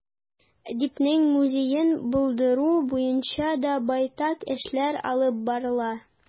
Әдипнең музеен булдыру буенча да байтак эшләр алып барыла.